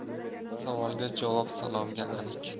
savolga javob salomga alik